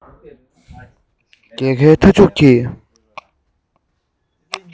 རྒྱལ ཁའི མཐའ མཇུག གི